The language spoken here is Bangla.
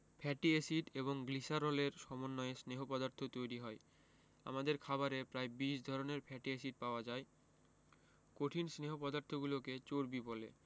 ফ্যাটি এসিড এবং গ্লিসারলের সমন্বয়ে স্নেহ পদার্থ তৈরি হয় আমাদের খাবারে প্রায় ২০ ধরনের ফ্যাটি এসিড পাওয়া যায় কঠিন স্নেহ পদার্থগুলোকে চর্বি বলে